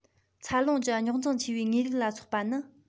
འཚར ལོངས ཀྱི རྙོག འཛིང ཆེ བའི ངེས ལུགས ལ སོགས པ ནི